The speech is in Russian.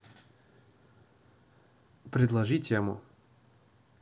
предложи тему